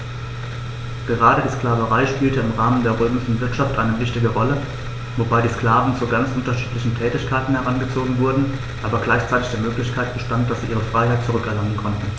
Gerade die Sklaverei spielte im Rahmen der römischen Wirtschaft eine wichtige Rolle, wobei die Sklaven zu ganz unterschiedlichen Tätigkeiten herangezogen wurden, aber gleichzeitig die Möglichkeit bestand, dass sie ihre Freiheit zurück erlangen konnten.